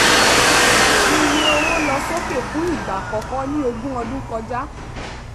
Iye owó lọ sókè fún ìgbà àkọ́kọ́ ní ògún ọdún kọjá .